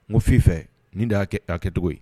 Ko fi fɛ ni'a a kɛ cogo ye